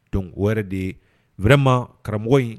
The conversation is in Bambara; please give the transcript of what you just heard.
Don wɛrɛ de ye wɛrɛma karamɔgɔ in